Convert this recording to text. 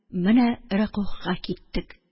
Менә рөкүгъка киттек.